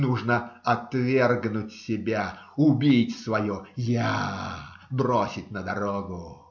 Нужно "отвергнуть себя", убить свое "я", бросить на дорогу.